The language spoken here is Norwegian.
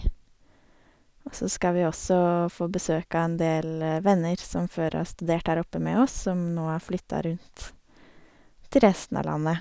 Og så skal vi også få besøk av en del venner som før har studert her oppe med oss, som nå har flytta rundt til resten av landet.